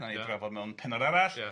...wnawn ni drafod mewn pennod arall ia.